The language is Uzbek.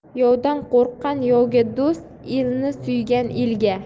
yovdan qo'rqqan yovga do'st elni suygan elga